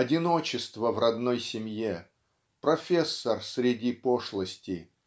одиночество в родной семье профессор среди пошлости